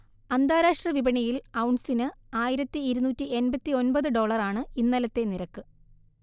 അന്താരാഷ്ര്ട വിപണിയിൽ ഔൺസിന് ആയിരത്തി ഇരുന്നൂറ്റി എണ്പത്തിയൊൻപത് ഡോളറാണ് ഇന്നലത്തെ നിരക്ക്